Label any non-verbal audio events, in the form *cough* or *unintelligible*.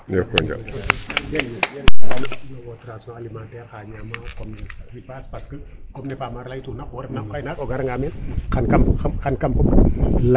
Njooko njal *unintelligible* alimentaire xa ñaamaa comme ripas parce que comme ne Pape Made a laytuna oxu refna o kaynaak o garanga meen xan xan kam fa ɓut.